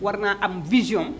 war naa am vision am